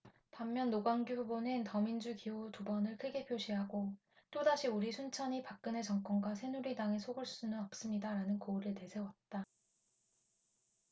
반면 노관규 후보는 더민주 기호 두 번을 크게 표시하고 또다시 우리 순천이 박근혜 정권과 새누리당에 속을 수는 없습니다라는 구호를 내세웠다